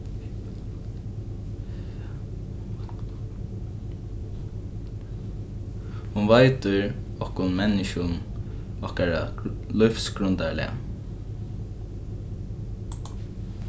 hon veitir okkum menniskjum okkara lívsgrundarlag